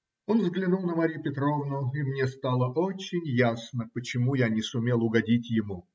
Он взглянул на Марью Петровну, и мне стало очень ясно, почему я не сумел угодить ему.